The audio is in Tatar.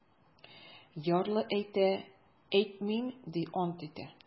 Ярлы әйтә: - әйтмим, - ди, ант итә.